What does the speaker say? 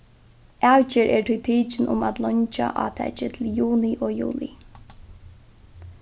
avgerð er tí tikin um at leingja átakið til juni og juli